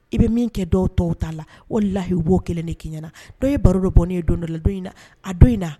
I bɛ min kɛ dɔw tɔw t taa la o lahi b'o kelen de'i ɲɛna na dɔw ye baro dɔ bɔnnen ye don dɔla don in na a don in na